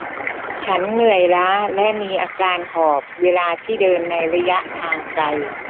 ฉันเหนื่อยล้าและมีอาการหอบเวลาที่เดินในระยะทางไกล